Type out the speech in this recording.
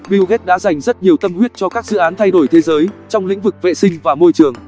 bill gates đã dành rất nhiều tâm huyết cho các dự án thay đổi thế giới trong lĩnh vực vệ sinh và môi trường